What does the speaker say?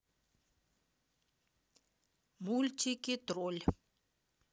мультики тролль